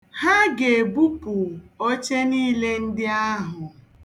Ha ga-ebupụ oche niile ndị ahụ.